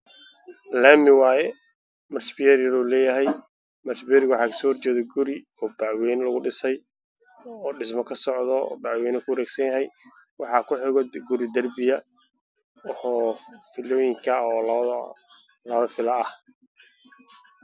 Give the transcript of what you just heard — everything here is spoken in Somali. Laami waaye marshabiyood ayuu leeyahay guryo ayaa ka agdhisan